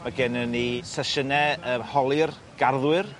ma' gennon ni sesiyne yy holi'r garddwyr